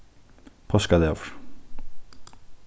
páskadagur